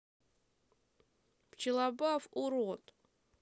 пчелобав урод